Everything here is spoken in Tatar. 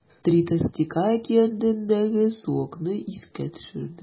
“три толстяка” әкиятендәге суокны искә төшерде.